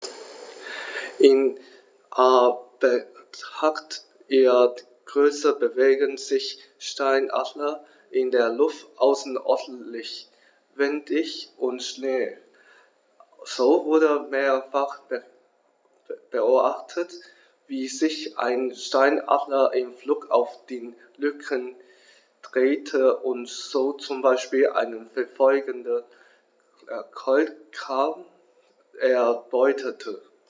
In Anbetracht ihrer Größe bewegen sich Steinadler in der Luft außerordentlich wendig und schnell, so wurde mehrfach beobachtet, wie sich ein Steinadler im Flug auf den Rücken drehte und so zum Beispiel einen verfolgenden Kolkraben erbeutete.